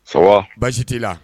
ç a va, baasi t'i la?